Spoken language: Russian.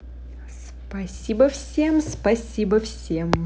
спасибо всем спасибо всем